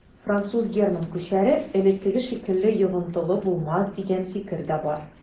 Француз-герман күчәре элеккеге шикелле йогынтылы булмас дигән фикер дә бар.